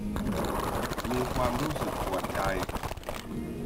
มีความรู้สึกปวดใจ